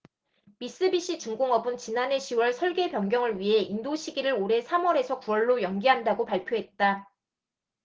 미쓰비시 중공업은 지난해 시 월 설계 변경을 위해 인도시기를 올해 삼 월에서 구 월로 연기한다고 발표했다